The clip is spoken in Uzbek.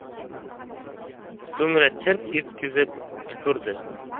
so'ngra chirt etkizib tupurdi